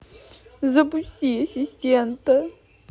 запусти ассистента